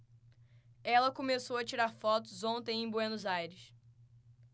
ela começou a tirar fotos ontem em buenos aires